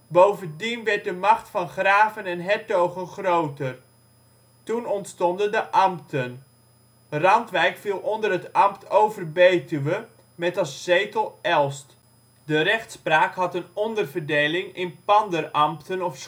Bovendien werd de macht van graven en hertogen groter. Toen ontstonden de ambten. Randwijk viel onder het Ambt Over Betuwe, met als zetel Elst. De rechtspraak had een onderverdeling in panderambten of